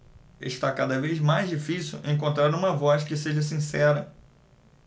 está cada vez mais difícil encontrar uma voz que seja sincera